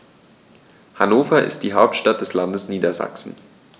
Hannover ist die Hauptstadt des Landes Niedersachsen.